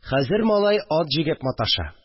Хәзер малай ат җигеп маташа